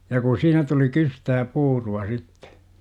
ja kun siinä tuli kystää puuroa sitten